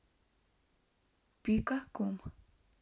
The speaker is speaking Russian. пика ком